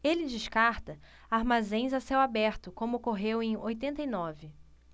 ele descarta armazéns a céu aberto como ocorreu em oitenta e nove